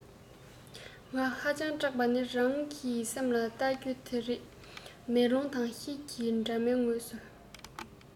ང ཧ ཅང སྐྲག པ ནི རང གི སེམས ལ བལྟ རྒྱུ དེ རེད མེ ལོང དང ཤེལ གྱི དྲ མའི ངོས སུ